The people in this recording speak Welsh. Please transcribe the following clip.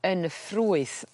yn y ffrwyth